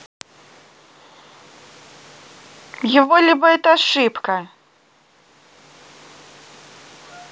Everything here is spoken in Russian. его либо это ошибка